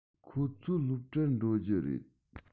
ཁོ ཚོ སློབ གྲྭར འགྲོ རྒྱུ རེད